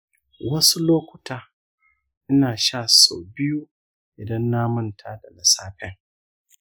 wasu lokuta ina sha sau biyu idan na manta da na safen.